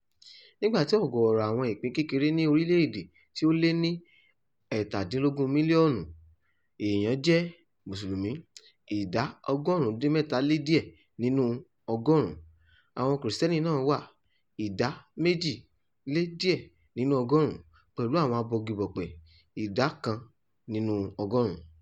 Nígbà tí ọ̀gọ̀ọ̀rọ̀ àwọn ìpín-kékeré ní orílẹ̀ èdè tí ó lé ní 17 mílíọ̀nù àwọn èèyàn jẹ́ Mùsùlùmí ( ìdá 97.2 nínú ọgọ́rùn-ún), àwọn Kìrìsìtẹ́nì náà wà (ìdá 2.7 nínú ọgọ́rùn-ún) pẹ̀lú àwọn abọgibọ̀pẹ̀ ( ìdá 1 nínú ọgọ́rùn-ún).